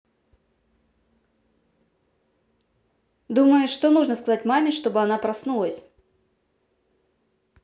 думаешь что нужно сказать маме чтобы она проснулась